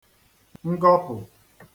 ngọpụ̀